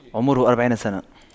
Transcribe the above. عمره أربعين سنة